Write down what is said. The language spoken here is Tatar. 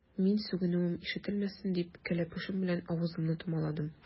Мин, сүгенүем ишетелмәсен дип, кәләпүшем белән авызымны томаладым.